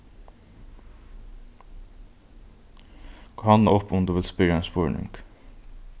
koyr hondina upp um tú vilt spyrja ein spurning